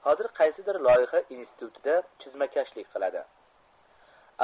hozir qaysidir loyiha institutida chizmakashlik qiladi